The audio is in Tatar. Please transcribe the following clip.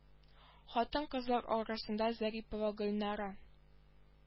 Хатын-кызлар арасында зарипова гөлнара